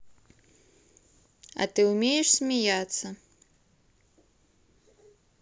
а ты умеешь смеяться